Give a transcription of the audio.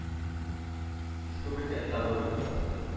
Республика этабы узды